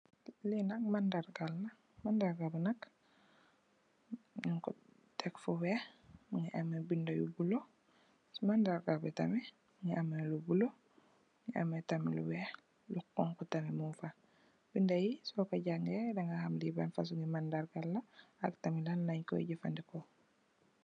le nak mandarga la mandarga bi nak nyung ko tek fu weex mingi ameh binda yu bulo mandarga bi tamit mungi ameh lu bulo mu am tamit lu weex lu xonxa tamit mung fa binda yi soko jangeh danga ham li ban fosonyi mandarga la ak tamit Nan lenjkoy jefendeko